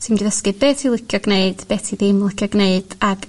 ti'n mynd i ddysgu be ti licio gneud be ti ddim licio gneud ag